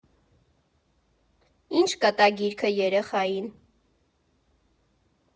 Ի՞նչ կտա գիրքը երեխային։